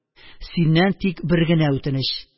Синнән тик бер генә үтенеч